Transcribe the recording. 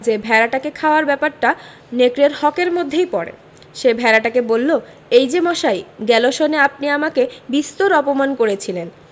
যে ভেড়াটাকে খাওয়ার ব্যাপারটা নেকড়ের হক এর মধ্যেই পড়ে সে ভেড়াটাকে বলল এই যে মশাই গেল সনে আপনি আমাকে বিস্তর অপমান করেছিলেন